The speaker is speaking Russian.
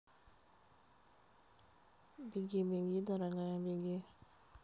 беги беги дорогая беги